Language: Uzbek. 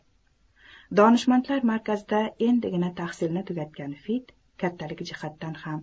donishmandlar markazida endigina tahsilni tugatgan fid kattaligi jihatidan ham